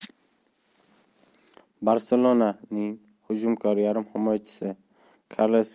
barselona ning hujumkor yarim himoyachisi karles